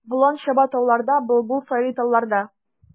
Болан чаба тауларда, былбыл сайрый талларда.